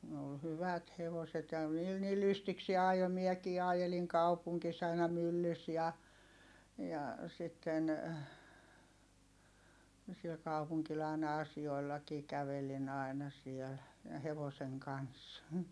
ne oli hyvät hevoset ja niillä niin lystikseen ajoi minäkin ajelin kaupungissa aina myllyssä ja ja sitten siellä kaupungilla aina asioillakin kävelin aina siellä ja hevosen kanssa